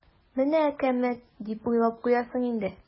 "менә әкәмәт" дип уйлап куясың инде.